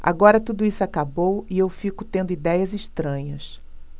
agora tudo isso acabou e eu fico tendo idéias estranhas